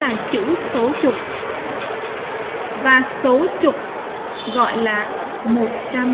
chữ số chục và số trực gọi là